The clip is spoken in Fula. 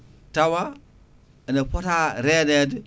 tawa ene fota renede